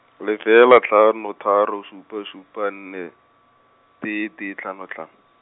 lefela hlano, tharo šupa šupa nne, tee tee hlano tlhano.